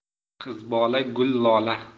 qiz bola gul lola